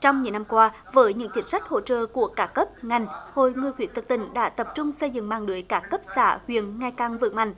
trong nhiều năm qua với những chính sách hỗ trợ của các cấp ngành hội người khuyết tật tỉnh đã tập trung xây dựng mạng lưới các cấp xã huyện ngày càng vững mạnh